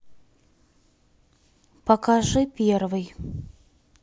покажи первый